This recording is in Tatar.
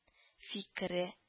Фикере